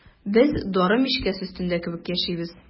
Без дары мичкәсе өстендә кебек яшибез.